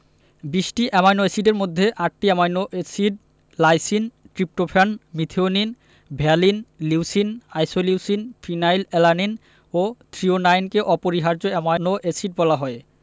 ২০টি অ্যামাইনো এসিডের মধ্যে ৮টি amino acid lysine tryptophan methionine valine leucine isoleucine phenyl alanine ও থ্রিওনাইনকে অপরিহার্য অ্যামাইনো এসিড বলা হয়